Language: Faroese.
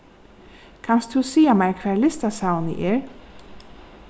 kanst tú siga mær hvar listasavnið er